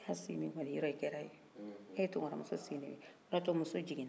e ye tounkara muso sin de min o de y'a to muso jiginna muso min jiginna tunkara de don